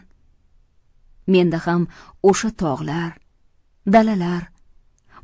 menda ham o'sha tog'lar dalalar